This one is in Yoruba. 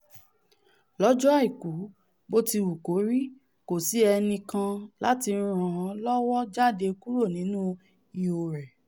Lọ́jọ́ Àìku, botiwukori, kòsí ẹnikan láti ràn ọ́ lọ́wọ́ jáde kúrò nínú ihò rẹ.